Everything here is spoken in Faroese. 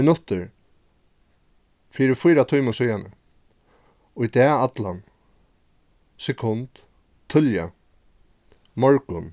minuttur fyri fýra tímum síðani í dag allan sekund tíðliga morgun